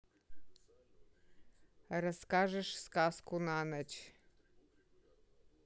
расскажешь сказку на ночь